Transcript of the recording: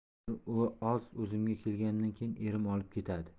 bir oz o'zimga kelganimdan keyin erim olib ketadi